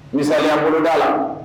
Misaya bolodaa la